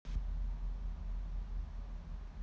блядь ты меня слышишь нет